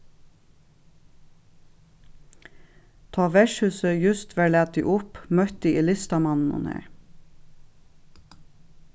tá vertshúsið júst var latið upp møtti eg listamanninum har